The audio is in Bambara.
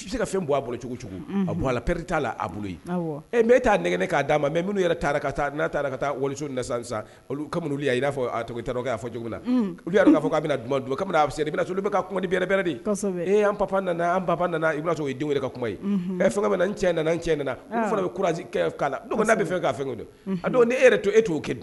Mɛ' taa wali sisan olu y'a' fɔ cogo laa fɔ a bɛ na don a se i bɛna so ne bɛ ka kuma diɛrɛ e anp an ba i b'a sɔrɔ' denw ka kuma ye fɛn n cɛ cɛ olu bɛ k bɛ fɛn k'a fɛn don don e yɛrɛ e'o kɛ